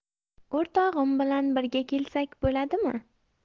o'rtog'im bilan birga kelsak bo'ladimi